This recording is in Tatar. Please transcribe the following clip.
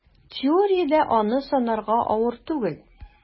Теориядә аны санарга авыр түгел: